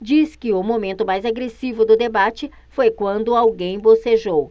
diz que o momento mais agressivo do debate foi quando alguém bocejou